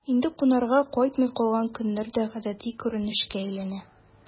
Инде кунарга кайтмый калган көннәр дә гадәти күренешкә әйләнә...